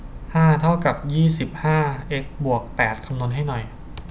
ห้าเท่ากับยี่สิบห้าเอ็กซ์บวกแปดคำนวณให้หน่อย